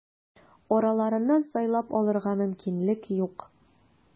Араларыннан сайлап алырга мөмкинлек юк.